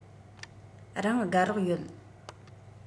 རང དགའ རོགས ཡོད